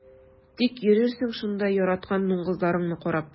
Тик йөрерсең шунда яраткан дуңгызларыңны карап.